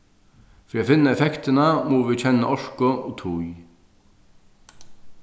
fyri at finna effektina mugu vit kenna orku og tíð